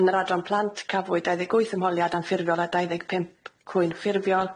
Yn yr adran plant cafwyd dau ddeg wyth ymholiad anffurfiol a dau ddeg pump cwyn ffurfiol.